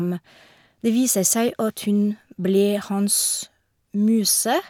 Det viser seg at hun ble hans muse.